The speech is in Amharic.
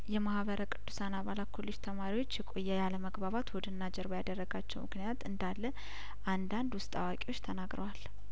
የማህበረ ቅዱሳን አባላት የኮሌጅ ተማሪዎች የቆየያለመግባባት ሆድና ጀርባ ያደረጋቸው ምክንያት እንዳለ አንዳንድ ውስጠ አዋቂዮች ተናግረዋል